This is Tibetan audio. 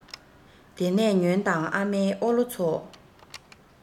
དེ ནས ཉོན དང ཨ མའི ཨོ ལོ ཚོ